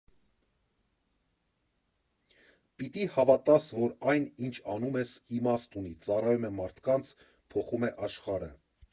Պիտի հավատաս, որ այն, ինչ անում ես, իմաստ ունի, ծառայում է մարդկանց, փոխում է աշխարհը։